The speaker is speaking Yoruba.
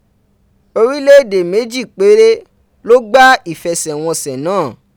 Orílẹ̀ èdè méjì péré ló gbá ìfẹsẹ̀wọnsẹ̀ náà.